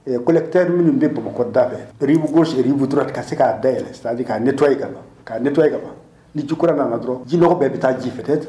collecteurs minnu bɛ Bamakɔ da fɛ , rive gauche ou rive doite ka se k'a da yɛlɛ c'et à dire k'u nettoyer k'a ban ni ji kura nana dɔrɔnn jinɔgɔ bɛɛ bɛ taa ji fɛ., peut- etre